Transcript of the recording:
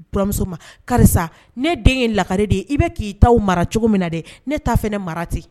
Buranmuso karisa ne den ye lakare de ye i bɛ k'i taw mara cogo min na dɛ, ne ta fana mara ten.